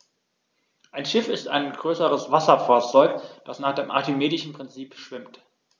Ein Schiff ist ein größeres Wasserfahrzeug, das nach dem archimedischen Prinzip schwimmt.